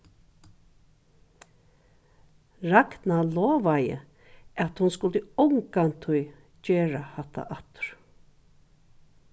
ragna lovaði at hon skuldi ongantíð gera hatta aftur